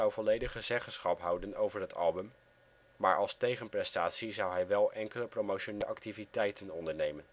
volledige zeggenschap houden over het album, maar als tegenprestatie zou hij wel enkele promotionele activiteiten ondernemen